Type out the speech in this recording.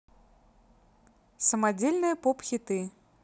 самодельные поп хиты